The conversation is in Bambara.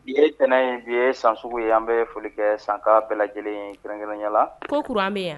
Bi ye tɛnɛn in bi ye san sugu ye an bɛ foli kɛ san bɛɛ lajɛlen in kɛrɛnkɛya la ko k an bɛ yan